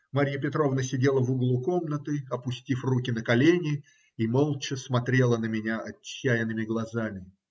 Марья Петровна сидела в углу комнаты, опустив руки на колени, и молча смотрела на меня отчаянными глазами.